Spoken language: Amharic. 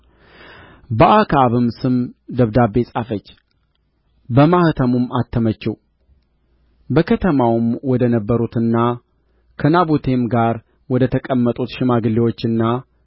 በአክዓብም ስም ደብዳቤ ጻፈች በማኅተሙም አተመችው በከተማው ወደ ነበሩትና ከናቡቴም ጋር ወደ ተቀመጡት ሽማግሌዎችና